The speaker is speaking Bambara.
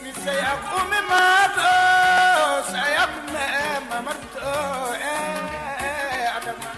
Ni saya kun bɛ ma tooooo, saya tun bɛ Mamadu tooooo, eee eeee Adama